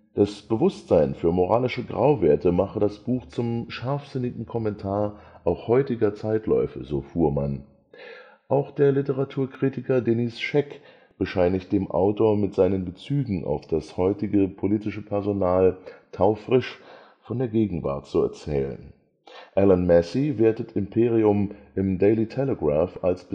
Das „ Bewusstsein für moralische Grauwerte “mache das Buch zum „ scharfsinnigen Kommentar auch heutiger Zeitläufe “, so Fuhrmann. Auch der Literaturkritiker Denis Scheck bescheinigt dem Autor, mit seinen „ Bezügen auf das heutige politische Personal (…) taufrisch von der Gegenwart zu erzählen. “Allan Massie wertet Imperium im Daily Telegraph als